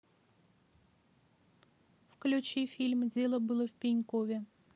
включи фильм дело было в пенькове